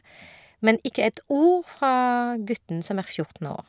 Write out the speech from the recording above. Men ikke ett ord fra gutten som er fjorten år.